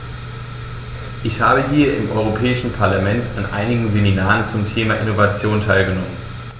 Ich habe hier im Europäischen Parlament an einigen Seminaren zum Thema "Innovation" teilgenommen.